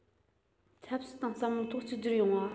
ཆབ སྲིད དང བསམ བློའི ཐོག གཅིག གྱུར ཡོང བ